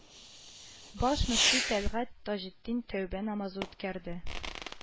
Баш мөфти Тәлгать Таҗетдин тәүбә намазы үткәрде